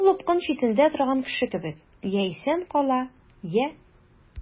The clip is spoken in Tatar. Ул упкын читендә торган кеше кебек— я исән кала, я...